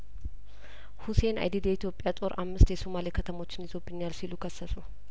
ሁሴን አይዲድ የኢትዮጵያ ጦር አምስት የሱማሌ ከተሞችን ይዞብኛል ሲሉ ከሰሱ